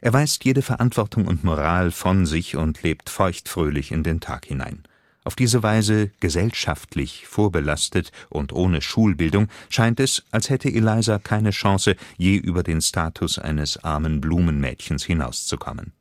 weist jede Verantwortung und Moral von sich und lebt feucht-fröhlich in den Tag hinein. Auf diese Weise „ gesellschaftlich” vorbelastet und ohne Schulbildung, scheint es, als hätte Eliza keine Chance, je über den Status eines armen Blumenmädchens hinauszukommen